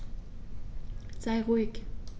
Sei ruhig.